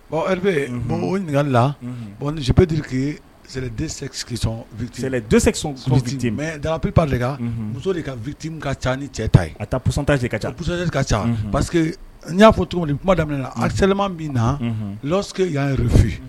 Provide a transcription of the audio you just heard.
Ɔ p bon ɲininkagali la bɔnpdukise vtisetite mɛ dapp de ka muso de ka vti ka ca ni cɛ ta ka taatase ka case ka ca parce n y'a fɔ tuguni kuma daminɛminɛna alislima min na sseke y'a yɛrɛfi